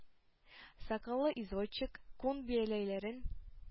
Сакаллы извозчик, күн бияләйләрен